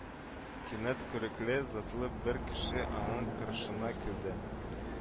Кинәт күрекле, затлы бер кеше аның каршына килде